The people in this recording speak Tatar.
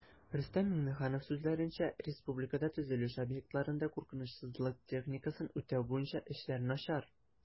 Рөстәм Миңнеханов сүзләренчә, республикада төзелеш объектларында куркынычсызлык техникасын үтәү буенча эшләр начар